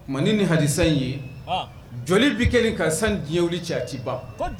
Tuma ni ni hadi in ye jɔ bɛ kɛ ka san diɲɛ wili cɛtiba